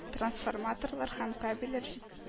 Трансформаторлар һәм кабельләр